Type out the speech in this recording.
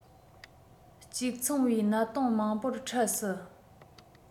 གཅིག མཚུངས པའི གནད དོན མང པོར འཕྲད སྲིད